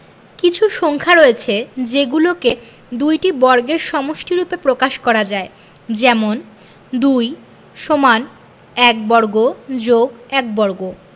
কিছু সংখ্যা রয়েছে যেগুলোকে দুইটি বর্গের সমষ্টিরুপে প্রকাশ করা যায় যেমনঃ ২ = ১ বর্গ + ১ বর্গ